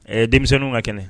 Ɛɛ denmisɛnww ka kɛnɛ